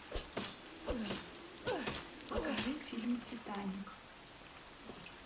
покажи фильм титаник